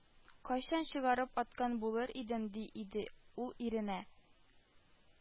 Кайчан чыгарып аткан булыр идем, – ди иде ул иренә